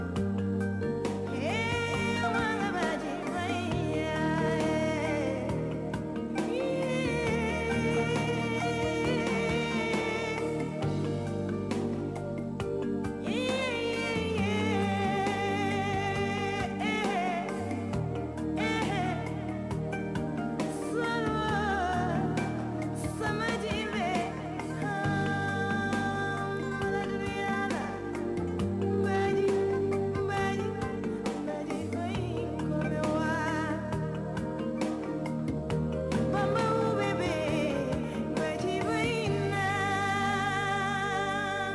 Wa wa min y laban sabaji bɛ wa wakɔrɔ wa faama bɛ bɛ waji la